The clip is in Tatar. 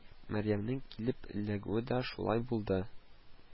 Мәрьямнең килеп эләгүе дә шулай булды